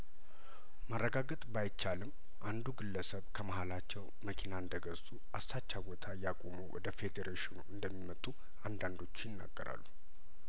ማረጋገጥ ባይቻልም አንዱ ግለሰብ ከመሀላቸው መኪና እንደገዙ አሳቻ ቦታ እያቆሙ ወደ ፌዴሬሽኑ እንደሚመጡ አንዳንዶቹ ይናገራሉ